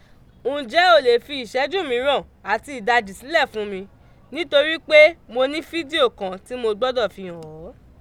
Ǹjẹ́ o lè fi ìṣẹ́jú mìíràn àti ìdajì sílẹ̀ fún mi, nítorí pé mo ní fídíò kan tí mo gbọ́dọ̀ fi hàn ọ́.